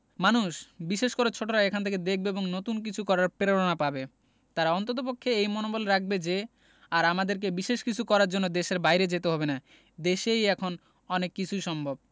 মানুষ বিশেষ করে ছোটরা এখান থেকে দেখবে এবং নতুন কিছু করার প্রেরণা পাবে তারা অন্ততপক্ষে এই মনোবল রাখবে যে আর আমাদেরকে বিশেষ কিছু করার জন্য দেশের বাইরে যেতে হবে না দেশেই এখন অনেক কিছু সম্ভব